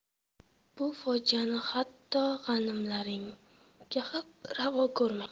bu fojiani hatto g'animlaringizga ham ravo ko'rmang